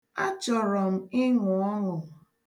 Achọrọ m ịṅụ ọṅụ.